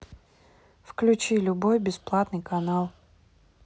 включи любой бесплатный канал